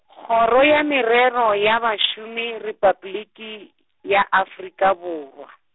Kgoro ya merero ya Bašomi Repabliki, ya Afrika Borwa.